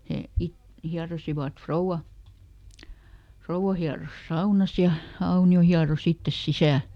he - hieroivat rouva rouva hieroi saunassa ja Aunio hieroi itse sisällä